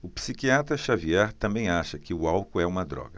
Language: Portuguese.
o psiquiatra dartiu xavier também acha que o álcool é uma droga